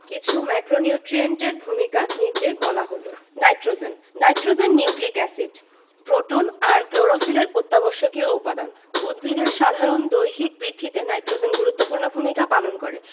কিছু ম্যাক্রোনিউট্রিয়েন্টের ভূমিকার কথা নিচে বলা হল nitrogen nitrogen nucleic acid protein আর ক্লোরোফিলের অত্যাবশ্যকীয় উপাদান উদ্ভিদের সাধারণ দৈহিক বৃদ্ধিতে নাইট্রোজেন গুরুত্বপূর্ণ ভূমিকা পালন করে